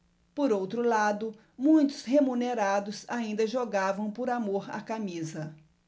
por outro lado muitos remunerados ainda jogavam por amor à camisa